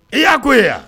I y'a k'o ye wa?